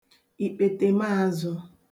ìkpètèmazụ